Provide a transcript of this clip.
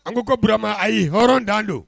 An ko ko burama ayi ye hɔrɔn dan don